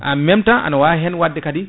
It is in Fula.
en même temps aɗa wawi hen wadde kadi